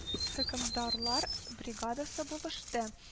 Хөкемдарлар бригадасы булышты